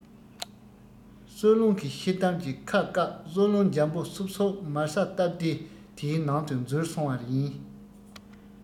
གསོ རླུང གི ཤེལ དམ གྱི ཁ བཀབ གསོ རླུང འཇམ པོ སོབ སོབ མལ ས སྟབས བདེ དེའི ནང དུ འཛུལ སོང བ ཡིན